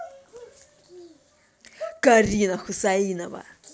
карина хусаинова